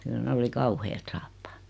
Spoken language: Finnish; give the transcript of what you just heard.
kyllä ne oli kauheat saappaat